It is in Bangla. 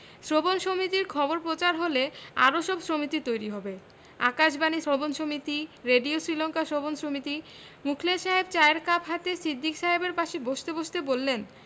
শ্রবণ সমিতির খবর প্রচার হলে আরো সব সমিতি তৈরি হবে আকাশবাণী শ্রবণ সমিতি রেডিও শীলংকা শ্রবণ সমিতি মুখলেস সাহেব চায়ের কাপ হাতে সিদ্দিক সাহেবের পাশে বসতে বসতে বললেন